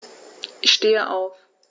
Ich stehe auf.